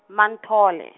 Manthole.